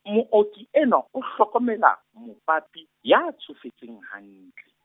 Mooki enwa o hlokomela, mopapi, ya tsofetseng hantle.